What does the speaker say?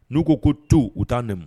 N'u ko to u taa nɛmu